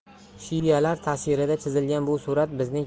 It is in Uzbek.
shialar tasirida chizilgan bu surat bizning